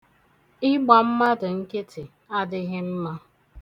Ịgba mmadụ nkịtị adịghị mma.